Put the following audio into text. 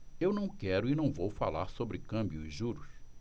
eu não quero e não vou falar sobre câmbio e juros